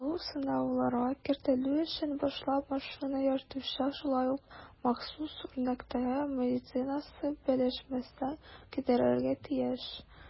Бу сынауларга кертелү өчен башлап машина йөртүче шулай ук махсус үрнәктәге медицинасы белешмәсен китерергә тиеш.